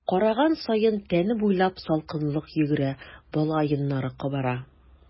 Караган саен тәне буйлап салкынлык йөгерә, бала йоннары кабара.